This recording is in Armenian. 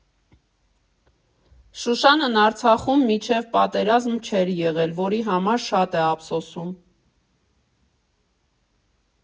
Շուշանն Արցախում մինչ պատերազմ չէր եղել, որի համար շատ է ափսոսում։